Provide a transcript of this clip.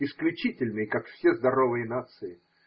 исключительный, как все здоровые нации.